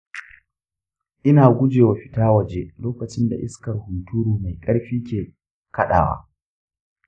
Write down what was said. ina gujewa fita waje lokacin da iskar hunturu mai ƙarfi ke kaɗawa.